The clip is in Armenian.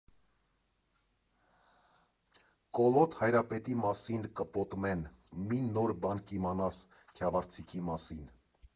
Կոլոտ Հայրապետի մասին կպոտմեն, մի նոր բան կիմանաս քյավառցիքի մասին։